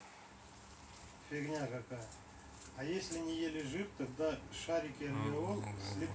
у меня друзья